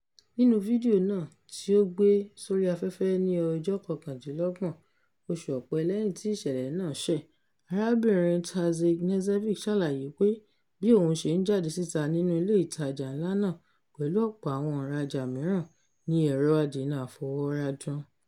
Nínú fídíò náà, tí ó gbé-sórí-áfẹ́fẹ́ ní ọjọ́ 29, oṣù Ọ̀pẹ lẹ́yìn tí ìṣẹ̀lẹ̀ náà ṣẹ̀, arábìnrin Tasić Knežević ṣàlàyé pé bí òun ṣe ń jáde síta nínú ilé ìtajà ńlá náà pẹ̀lú ọ̀pọ̀ àwọn òǹrajà mìíràn ni ẹ̀rọ adènà àfọwọ́rá dún.